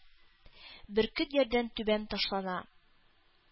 Бөркет ярдан түбән ташлана.